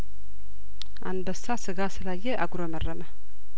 አንበሳ ስጋ ስላየ አጉረመረመ